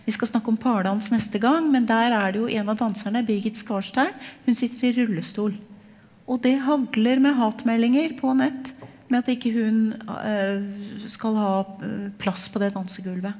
vi skal snakke om pardans neste gang men der er det jo en av danserne, Birgit Skarstein, hun sitter i rullestol, og det hagler med hatmeldinger på nett med at ikke hun skal ha plass på det dansegulvet.